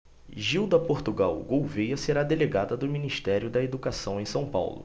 gilda portugal gouvêa será delegada do ministério da educação em são paulo